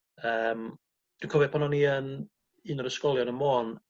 Yym. Dwi'n cofio pan o'n i yn un o'r ysgolion ym Môn